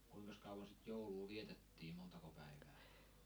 kuinkas kauan sitä joulua vietettiin montako päivää